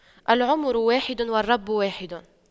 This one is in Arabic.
العمر واحد والرب واحد